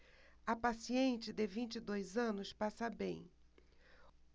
a paciente de vinte e dois anos passa bem